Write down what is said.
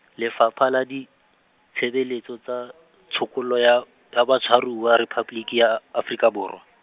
Lefapha la Ditshebeletso tsa, Tshokollo ya, ya Batshwaruwa Rephaboliki ya, Afrika Borwa .